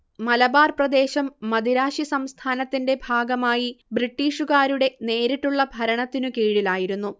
മലബാർ പ്രദേശം മദിരാശി സംസ്ഥാനത്തിന്റെ ഭാഗമായി ബ്രിട്ടീഷുകാരുടെ നേരിട്ടുള്ള ഭരണത്തിനു കീഴിലായിരുന്നു